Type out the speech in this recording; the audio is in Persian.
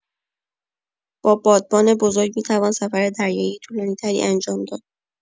با بادبان بزرگ می‌توان سفر دریایی طولانی‌تری انجام داد.